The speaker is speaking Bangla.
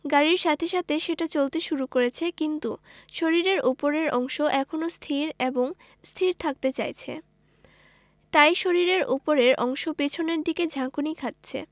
গাড়ির সাথে সাথে সেটা চলতে শুরু করেছে কিন্তু শরীরের ওপরের অংশ এখনো স্থির এবং স্থির থাকতে চাইছে তাই শরীরের ওপরের অংশ পেছনের দিকে ঝাঁকুনি খাচ্ছে